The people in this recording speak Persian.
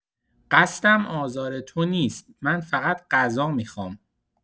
قصدم آزار تو نیست، من فقط غذا میخوام.